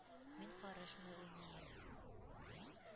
Мин карышмый уйныймын,